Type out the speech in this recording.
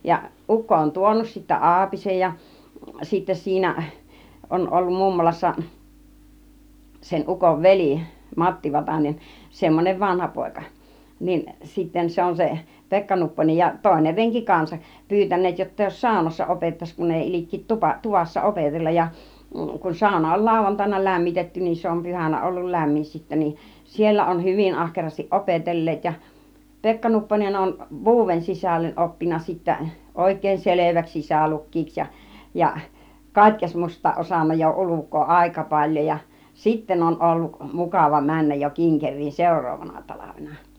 ja ukko on tuonut sitten aapisen ja ja sitten siinä on ollut mummolassa sen ukon veli Matti Vatanen semmoinen vanhapoika niin sitten se on se Pekka Nupponen ja toinen renki kanssa pyytäneet jotta jos saunassa opettaisi kun ei ilkeä - tuvassa opetella ja kun sauna oli lauantaina lämmitetty niin se on pyhänä ollut lämmin sitten niin siellä on hyvin ahkerasti opetelleet ja Pekka Nupponen on vuoden sisälle oppinut sitten oikein selväksi sisälukijaksi ja ja katekismusta osannut jo ulkoa aika paljon ja sitten on ollut mukava mennä jo kinkeriin seuraavana talvena